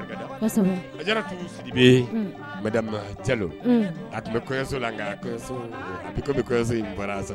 A tun bɛ kɔɲɔso la aso bɔra